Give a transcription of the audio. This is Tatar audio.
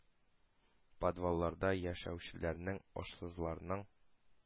Подвалларда яшәүчеләрнең, ашсызларның,